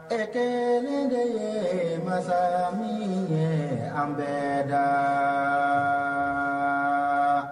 Ɛ kɛlen ne de ye mansa min an bɛ da